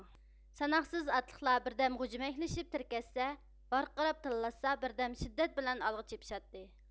ساناقسىز ئاتلىقلار بىردەم غۇجمەكلىشىپ تىركەشسە ۋارقىراپ تىللاشسا بىردەم شىددەت بىلەن ئالغا چېپىشاتتى